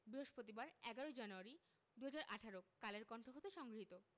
বৃহস্পতিবার ১১ জানুয়ারি ২০১৮ কালের কন্ঠ হতে সংগৃহীত